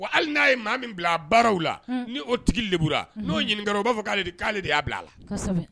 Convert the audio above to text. Wa hali n'a ye maa min bila a baaraw la ni o tigi de b' n'o ɲininkaka u b' fɔ k'ale'ale de y'a bila a la